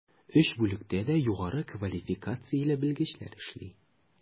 Өч бүлектә дә югары квалификацияле белгечләр эшли.